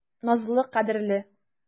Назлы, кадерле.